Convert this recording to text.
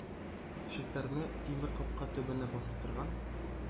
Челтәрле тимер капка төбендә басып торган